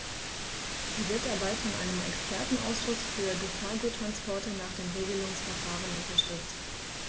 Sie wird dabei von einem Expertenausschuß für Gefahrguttransporte nach dem Regelungsverfahren unterstützt.